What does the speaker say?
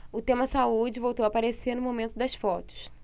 o tema saúde voltou a aparecer no momento das fotos